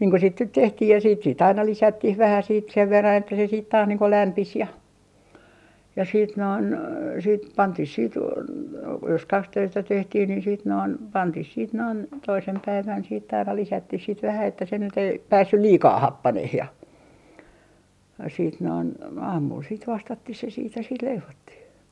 niin kuin sitten nyt tehtiin ja sitten sitten aina lisättiin vähän sitten sen verran että se sitten taas niin kuin lämpisi ja ja sitten noin sitten pantiin sitten jos kaksiöistä tehtiin niin sitten noin pantiin sitten noin toisena päivänä sitten aina lisättiin sitten vähän että se nyt ei päässyt liikaa happanemaan ja sitten noin aamulla sitten vastattiin se sitten ja sitten leivottiin